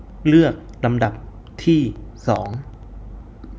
เลือกลำดับที่สอง